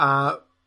A